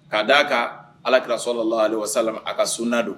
K'a d da a ka alakisɔrɔ la wa sa a ka sunda don